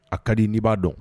A ka di n' b'a dɔn